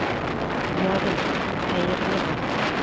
Ярый, хәерле булсын.